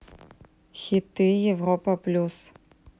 хиты европа плюс